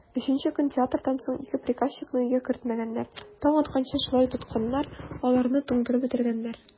Өченче көн театрдан соң ике приказчикны өйгә кертмәгәннәр, таң атканчы шулай тотканнар, аларны туңдырып бетергәннәр.